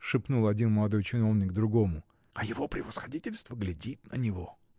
— шепнул один молодой чиновник другому, — а его превосходительство глядит на него.